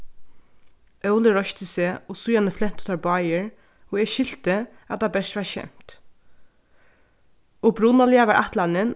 óli reisti seg og síðani flentu teir báðir og eg skilti at tað bert var skemt upprunaliga var ætlanin